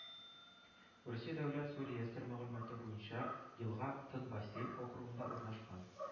Русия дәүләт су реестры мәгълүматы буенча елга Тын бассейн округында урнашкан